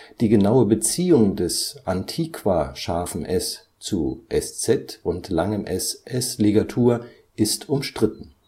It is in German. Die genaue Beziehung des Antiqua-ß zu Eszett und ſs-Ligatur ist umstritten